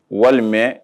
Walima